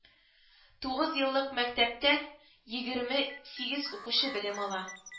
Тугыз еллык мәктәптә егерме сигез укучы белем ала